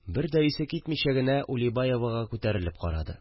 Бер дә исе китмичә генә Улибаевага күтәрелеп карады